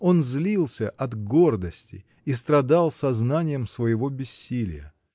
Он злился от гордости и страдал сознанием своего бессилия.